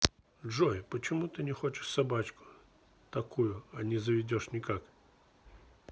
джой почему ты хочешь собачку такую а не заведешь никак